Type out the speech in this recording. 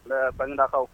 N bɛɛ Bagindkaw